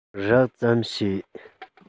རགས ཙམ ཤེས